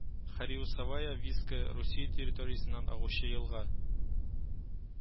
Хариусовая Виска Русия территориясеннән агучы елга